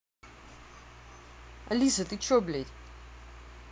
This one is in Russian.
алиса ты что блядь